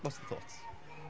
What's the thoughts?